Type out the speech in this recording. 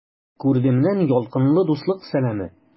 Күрдемнән ялкынлы дуслык сәламе!